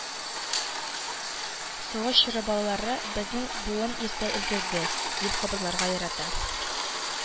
Сугыш чоры балалары, “безнең буын иртә өлгерде”, дип кабатларга ярата